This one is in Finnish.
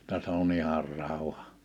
jotta se on ihan rauha